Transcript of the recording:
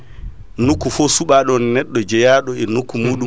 nokku fo suɓaɗon neɗɗo jeyaɗo e nokku muɗum